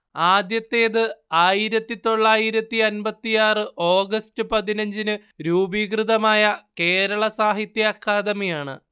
ആദ്യത്തേത് ആയിരത്തിതൊള്ളായിരത്തിയമ്പത്തിയാറ് ഓഗസ്റ്റ് പതിനഞ്ചിന് രൂപീകൃതമായ കേരള സാഹിത്യ അക്കാദമിയാണ്